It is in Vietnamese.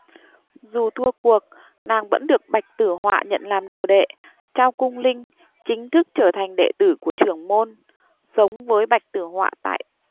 dù thua cuộc nàng vẫn được bạch tử họa nhận làm đồ đệ trao cung linh chính thức trở thành đệ tử của chưởng môn sống với bạch tử họa tại